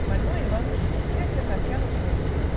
Больной и ласки и веселье Татьяну трогают